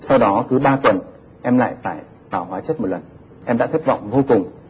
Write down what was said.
sau đó cứ ba tuần em lại phải vào hóa chất một lần em đã thất vọng vô cùng